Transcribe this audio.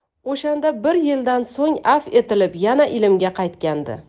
o'shanda bir yildan so'ng afv etilib yana ilmga qaytgandi